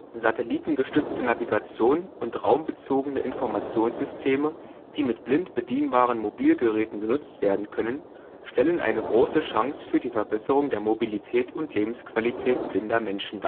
Satellitengestützte Navigation und raumbezogene Informationssysteme, die mit blind bedienbaren Mobilgeräten genutzt werden können, stellen eine große Chance für die Verbesserung der Mobilität und Lebensqualität blinder Menschen